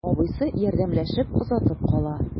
Абыйсы ярдәмләшеп озатып кала.